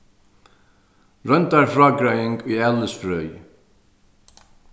royndarfrágreiðing í alisfrøði